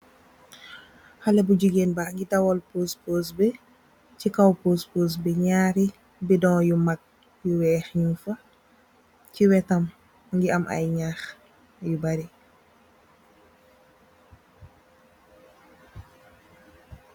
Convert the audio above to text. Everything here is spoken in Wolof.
Xalé bu jigéen baa ngi dawal puus puus bi. Ci kow puus puus bi, ñarri bidong yu weex ñung fa. Ci weetam, mu ngi am ay ñax yu bari.